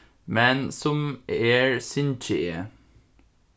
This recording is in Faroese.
men sum er syngi eg